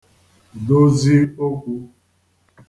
dozi okwū